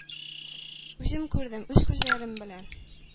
Үзем күрдем, үз күзләрем белән,